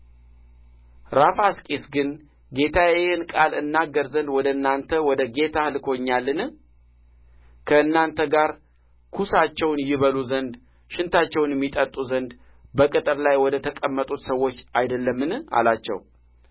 ራፋስቂስ ግን ጌታዬ ይህን ቃል እናገር ዘንድ ወደ አንተና ወደ ጌታህ ልኮኛልን ከእናንተ ጋር ኵሳቸውን ይበሉ ዘንድ ሽንታቸውንም ይጠጡ ዘንድ በቅጥር ላይ ወደ ተቀመጡት ሰዎች አይደለምን አላቸው